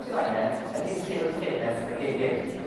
sydd angen ydi sil ffenest yn y gegin.